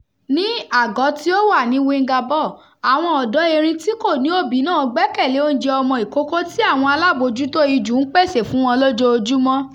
Ní àgọ́ tí ó wà ní Wingabaw, àwọn ọ̀dọ́ erin tí kò ní òbí náà gbẹ́kẹ̀lé oúnjẹ ọmọ ìkókó tí àwọn alábòójútó ijù ń pèsè fún wọn lójoojúmọ́.